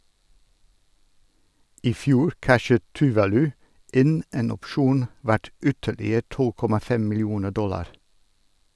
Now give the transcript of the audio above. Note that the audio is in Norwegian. I fjor cashet Tuvalu inn en opsjon verdt ytterligere 12,5 millioner dollar.